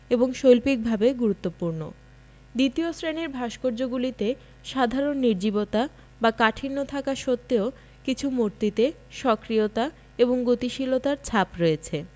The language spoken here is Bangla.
এবং শৈল্পিকভাবে গুরুত্বপূর্ণ দ্বিতীয় শ্রেণির ভাস্কর্যগুলিতে সাধারণ নির্জীবতা বা কাঠিণ্য থাকা সত্ত্বেও কিছু মূর্তিতে সক্রিয়তা এবং গতিশীলতার ছাপ রয়েছে